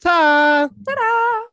Ta-ra... Ta-ra.